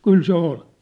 kyllä se oli